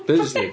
Be ddudest ti?